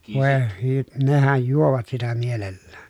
voi - nehän juovat sitä mielellään